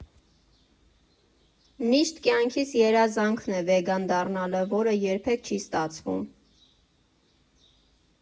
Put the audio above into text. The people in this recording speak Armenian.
Միշտ կյանքիս երազանքն է վեգան դառնալը, որը երբեք չի ստացվում։